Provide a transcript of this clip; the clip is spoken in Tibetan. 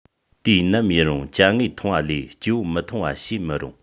དུས ནམ ཡིན རུང ཅ དངོས མཐོང བ ལས སྐྱེ བོ མི མཐོང བ བྱེད མི རུང